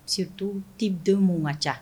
Se tu tɛ den mun ka ca